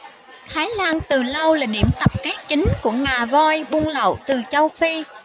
thái lan từ lâu là điểm tập kết chính của ngà voi buôn lậu từ châu phi